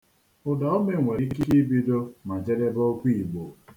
Ụdaume nwere ike ibido ma jedebe okwu Igbo.